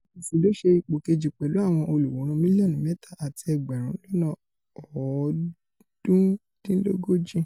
ABC ló ṣe ipò kejì pẹ̀lú àwọn olùwòran mílíọ̀nù mẹ́ta àti ẹgbẹ̀rún lọ́nà ọ̀ọ́dúndínlógójì.